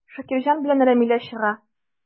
Шакирҗан белән Рамилә чыга.